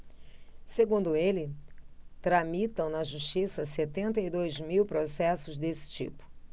segundo ele tramitam na justiça setenta e dois mil processos desse tipo